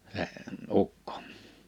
se ukko